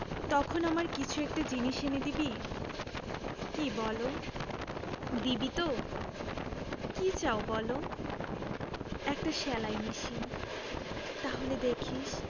তখন আমার কিছু একটা জিনিস এনে দিবি কি বলো দিবি তো কি চাও বলো একটা সেলাই মেশিন তাহলে দেখিস